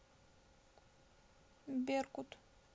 беркут